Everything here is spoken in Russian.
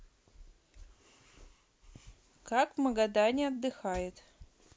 как в магадане отдыхает